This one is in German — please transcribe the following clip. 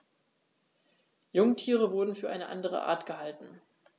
Jungtiere wurden für eine andere Art gehalten.